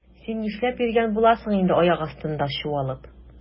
Син нишләп йөргән буласың инде аяк астында чуалып?